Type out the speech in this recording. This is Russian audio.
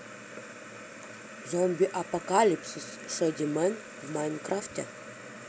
зомби апокалипсис шеди мен в майнкрафте